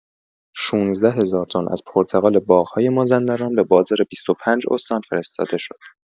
۱۶ هزار تن از پرتقال باغ‌های مازندران به بازار ۲۵ استان فرستاده شد.